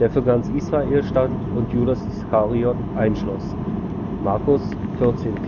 für ganz Israel stand und Judas Iskariot einschloss (Mk 14,24